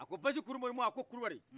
a ko bassi kulubali ma a ko kulubali